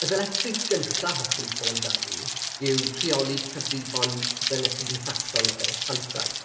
Y ddyletswydd gynta hoffwn i sôn amdani yw rheoli cyfrifon cyfryngau cymdeithasol yr asiantaeth.